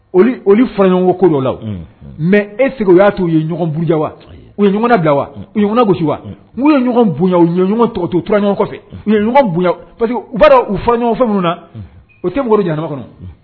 Faraɲɔgɔn ko dɔ la mɛ e sigi o y'a to u ye ɲɔgɔnyan u ye ɲɔgɔn bila u gosi ye ɲɔgɔn boyan uura ɲɔgɔn kɔfɛ uyan parce que u u fara ɲɔgɔnfɛ na o tɛ woro jan kɔnɔ